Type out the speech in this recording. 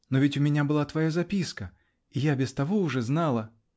но ведь у меня была твоя записка -- и я без того уже знала.